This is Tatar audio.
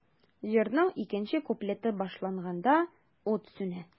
Җырның икенче куплеты башланганда, ут сүнә.